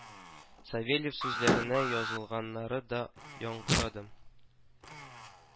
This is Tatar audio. Савельев сүзләренә язылганнары да яңгырады